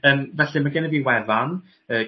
Yym felly ma' gennyf fi wefan yy...